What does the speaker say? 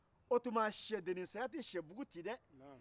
o tuma sɛdenninsaya tɛ sɛbugu ci dɛ